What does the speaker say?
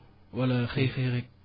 wala xëy xëy rekk